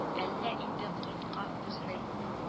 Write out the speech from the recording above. Әллә инде кортка үзенең